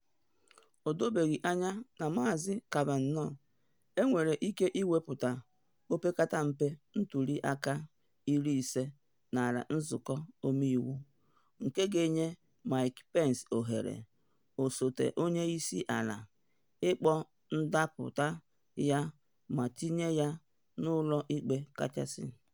O dobeghi anya ma Maazị Kavanaugh enwere ike ịnweta opekata mpe ntuli aka 50 n’ala Nzụkọ Ọmeiwu, nke ga-enye Mike Pence ohere, osote onye isi ala, ịkpọ ndapụta ya ma tinye ya na Ụlọ Ikpe Kachasị.